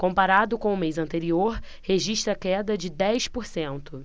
comparado com o mês anterior registra queda de dez por cento